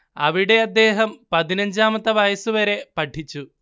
അവിടെ അദ്ദേഹം പതിനഞ്ചാമത്തെ വയസ്സുവരെ പഠിച്ചു